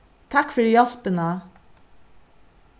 takk fyri hjálpina